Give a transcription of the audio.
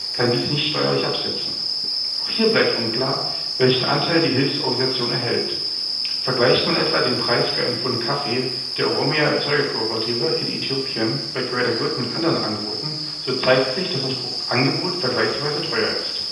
kann dies nicht steuerlich absetzen. Auch hier bleibt unklar, welchen Anteil die Hilfsorganisation erhält. Vergleicht man etwa den Preis für ein Pfund Kaffee der Oromia-Erzeuger-Kooperative in Äthiopien bei GreaterGood mit anderen Angeboten, so zeigt sich, dass das Angebot vergleichsweise teuer ist